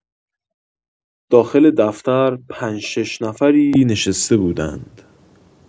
داخل دفتر پنج - شش‌نفری نشسته بودند.